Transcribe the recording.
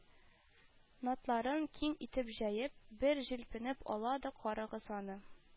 Натларын киң итеп җәеп, бер җилпенеп ала да «карагыз аны,